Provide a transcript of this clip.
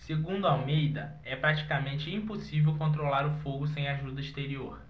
segundo almeida é praticamente impossível controlar o fogo sem ajuda exterior